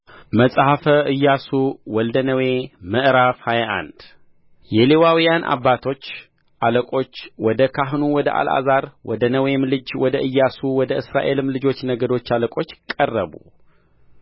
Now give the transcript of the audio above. መጽሐፈ ኢያሱ ወልደ ነዌ ምዕራፍ ሃያ አንድ የሌዋውያን አባቶች አለቆች ወደ ካህኑ ወደ አልዓዛር ወደ ነዌም ልጅ ወደ ኢያሱ ወደ እስራኤልም ልጆች ነገዶች አለቆች ቀረቡ